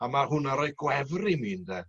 A ma' hwnna roi gwefr i mi ynde?